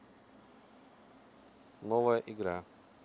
новая игра